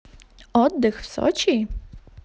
отдых в сочи